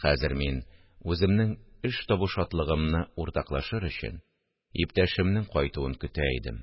Хәзер мин, үземнең эш табу шатлыгымны уртаклашыр өчен, иптәшемнең кайтуын көтә идем